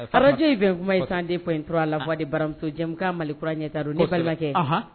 Falajɛj in bɛ kuma ye sanden fɔ in tora a la fɔ de baramuso jamumukan mali kura ɲɛta ne balimakɛ